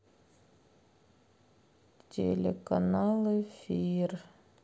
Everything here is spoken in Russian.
телеканал эфир